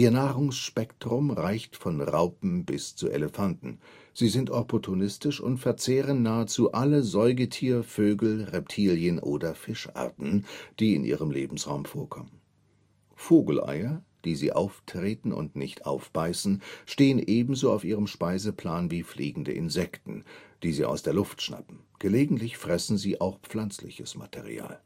Nahrungsspektrum reicht von Raupen bis zu Elefanten, sie sind opportunistisch und verzehren nahezu alle Säugetier -, Vögel -, Reptilien - oder Fischarten, die in ihrem Lebensraum vorkommen. Vogeleier – die sie auftreten und nicht aufbeißen – stehen ebenso auf ihrem Speiseplan wie fliegende Insekten, die sie aus der Luft schnappen, gelegentlich fressen sie auch pflanzliches Material